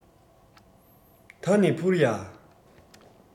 ད ནི འཕུར ཡ